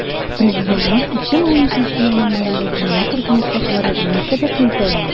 Президентның 2012 елның маенда дөнья күргән указлары ни сәбәпле үтәлми?